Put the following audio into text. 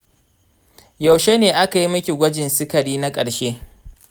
yaushe ne aka yi miki gwajin sikarin na ƙarshe?